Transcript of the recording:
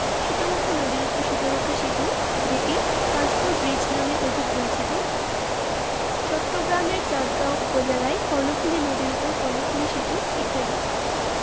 শীতলক্ষ্যা নদীর উপর শীতলক্ষ্যা সেতু যেটি কাঁচপুর ব্রীজ নামে অধিক পরিচিত চট্টগ্রামের চান্দগাঁও উপজেলায় কর্ণফুলি নদীর উপর কর্ণফুলি সেতু ইত্যাদি